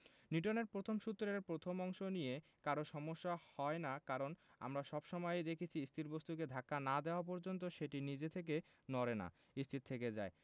নিউটনের প্রথম সূত্রের প্রথম অংশ নিয়ে কারো সমস্যা হয় না কারণ আমরা সব সময়ই দেখেছি স্থির বস্তুকে ধাক্কা না দেওয়া পর্যন্ত সেটা নিজে থেকে নড়ে না স্থির থেকে যায়